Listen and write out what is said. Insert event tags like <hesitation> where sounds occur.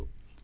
<hesitation> <hesitation>